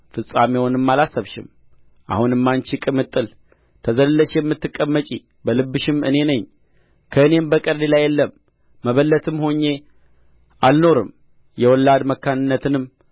ፍጻሜውንም አላሰብሽም አሁንም አንቺ ቅምጥል ተዘልለሽ የምትቀመጪ በልብሽም እኔ ነኝ ከእኔም በቀር ሌላ የለም መበለትም ሆኜ አልኖርም የወላድ መካንነትንም